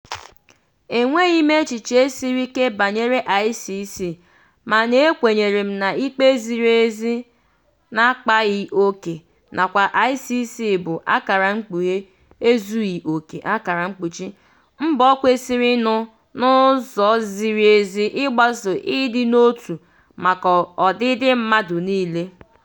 Enweghị m echiche siri ike banyere ICC, mana e kwenyere m n'ikpe ziri ezi n'akpaghị oke, nakwa ICC bụ (ezughị oke) mbọ kwesịrị nụ n'ụzọ ziri ezi ịgbaso idi n'otu, maka ọdịdị mmadụ niile.